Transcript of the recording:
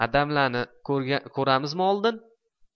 adamlarni ko'ramizmi oldin